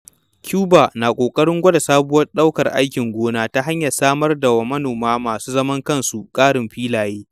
Cuba na ƙoƙarin gwada sabuwar dokar aikin gona ta hanyar samar wa manoma masu zaman kansu ƙarin filaye.